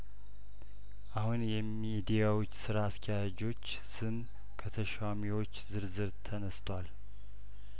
አሁን የሚዲያዎች ስራ አስኪያጆች ስም ከተሿሚዎች ዝርዝር ተነስቷል